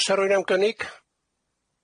Fysa rywun am gynnig?